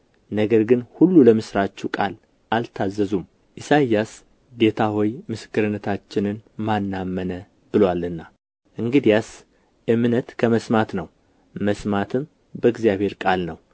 ነገር ግን ሁሉ ለምሥራቹ ቃል አልታዘዙም ኢሳይያስ ጌታ ሆይ ምስክርነታችንን ማን አመነ ብሎአልና እንግዲያስ እምነት ከመስማት ነው መስማትም በእግዚአብሔር ቃል ነው